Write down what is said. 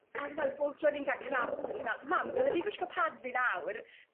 A o'n i fel bob tro o'n i'n ca'l cramps o'n i fel mam dyle fi gwisgo pad fi nawr?